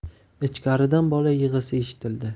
ichkaridan bola yig'isi eshitildi